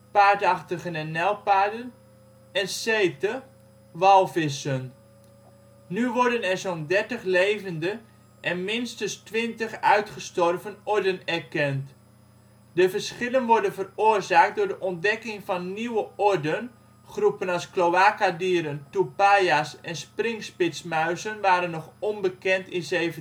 paardachtigen en nijlpaarden) en Cete (walvissen). Nu worden er zo 'n dertig levende en minstens twintig uitgestorven orden erkend. De verschillen worden veroorzaakt door de ontdekking van nieuwe orden (groepen als cloacadieren, toepaja 's en springspitsmuizen waren nog onbekend in 1758